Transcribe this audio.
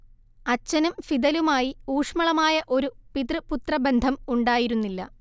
അച്ഛനും ഫിദലുമായി ഊഷ്മളമായ ഒരു പിതൃ പുത്രബന്ധം ഉണ്ടായിരുന്നില്ല